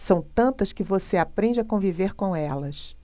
são tantas que você aprende a conviver com elas